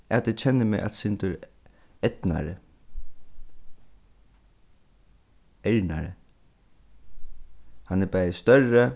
at eg kenni meg eitt sindur ernari hann er bæði størri